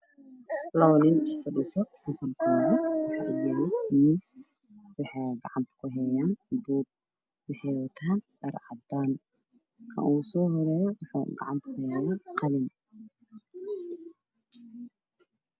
Labo nin oo fadhiso fasal waxaa horyaala miis waxay gacanta kuhayaa n buug waxay wataan dhar cadaan ah, kan ugu soohoreeyo waxuu gacanta kuhayaa qalin.